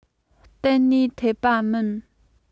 གཏན ནས འཐད པ མིན